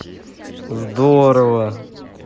здорово